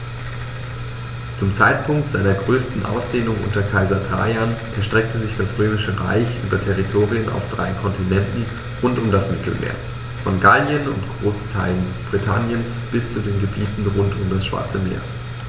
Zum Zeitpunkt seiner größten Ausdehnung unter Kaiser Trajan erstreckte sich das Römische Reich über Territorien auf drei Kontinenten rund um das Mittelmeer: Von Gallien und großen Teilen Britanniens bis zu den Gebieten rund um das Schwarze Meer.